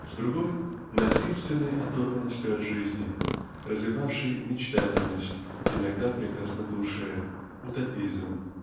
с другой -- насильственной оторванностью от жизни развивавшей мечтательность иногда прекраснодушие утопизм